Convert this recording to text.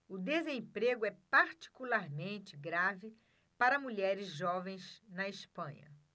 o desemprego é particularmente grave para mulheres jovens na espanha